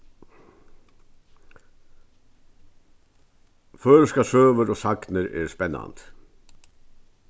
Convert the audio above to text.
føroyskar søgur og sagnir eru spennandi